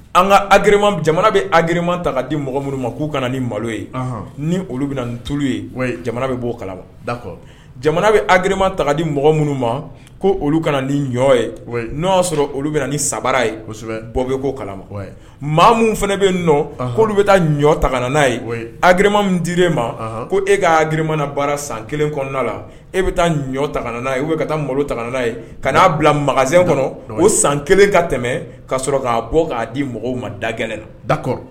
An ka jamana bɛ akima di mɔgɔ minnu ma k'u kana ni malo ye ni olu nin tulu ye jamana bɛ'o kala dakɔ jamana bɛ akima ta di mɔgɔ minnu ma ko olu kana ni ɲɔ ye n' y'a sɔrɔ olu bɛ ni sabara ye koma ye maa min fana bɛ k'olu bɛ taa ɲɔ tagaana' ye akilima min dir e ma ko e kaki mana baara san kelen kɔnɔna la e bɛ taa ɲɔ ta bɛ taa malo ta' ye ka'a bila makan kɔnɔ o san kelen ka tɛmɛ ka sɔrɔ k'a bɔ ka di mɔgɔw ma da gɛlɛn na da kɔrɔ